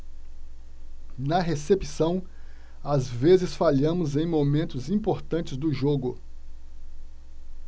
na recepção às vezes falhamos em momentos importantes do jogo